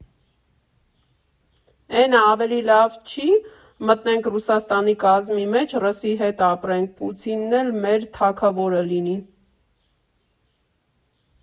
Էն ա ավելի լավ չի՞ մտնենք Ռուսաստանի կազմի մեջ, ռսի հետ ապրենք, Պուծինն էլ մեր թագավորը լինի։